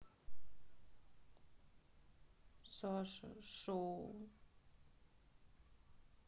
саша шоу